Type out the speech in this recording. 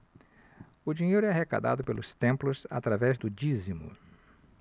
o dinheiro é arrecadado pelos templos através do dízimo